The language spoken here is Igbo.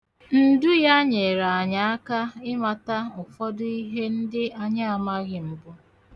Ndu ya nyeere anyị aka ịmata ụfọdụ ihe ndi anyị amaghị mbu.